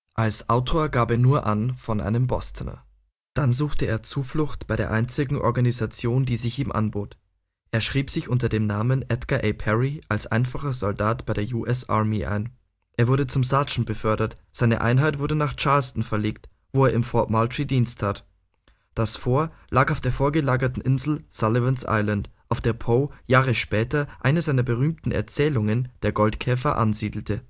Als Autor gab er nur an: „ Von einem Bostoner “(by a Bostonian). Dann suchte er Zuflucht bei der einzigen Organisation, die sich ihm anbot: Er schrieb sich unter dem Namen Edgar A. Perry als einfacher Soldat bei der US Army ein. Er wurde zum Sergeant Major befördert. Seine Einheit wurde nach Charleston verlegt, wo er im Fort Moultrie Dienst tat; das Fort lag auf der vorgelagerten Insel Sullivan’ s Island, auf der Poe Jahre später eine seiner berühmtesten Erzählungen, Der Goldkäfer, ansiedelte